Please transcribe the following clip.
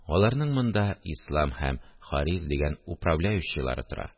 Аларның монда Ислам һәм Харис дигән управляющийлары тора